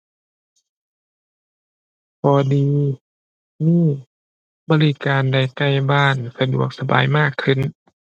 ข้อดีคือบริการได้ใกล้บ้าน สะดวกสบายมากขึ้น